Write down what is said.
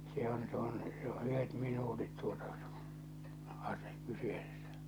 se on se on se on yhdet minuutit tuota - kyseessä